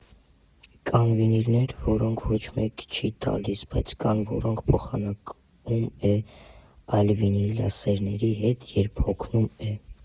Կան վինիլներ, որոնք ոչ մեկի չի տալիս, բայց կան, որոնք փոխանակում է այլ վինիլասերների հետ, երբ հոգնում է։